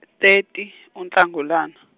thirty uNhlangulana.